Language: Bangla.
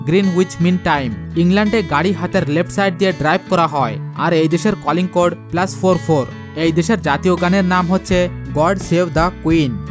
গ্রীন হুইচ মিন টাইম ইংল্যান্ডে গাড়ি হাতের লেফট সাইড দিয়ে ড্রাইভ করা হয় আর এই দেশের কলিং কোড +৪৪ এ দেশের জাতীয় গানের নাম গড সেভ দ্য কুইন